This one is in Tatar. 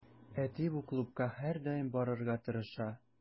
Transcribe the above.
Әти бу клубка һәрдаим барырга тырыша.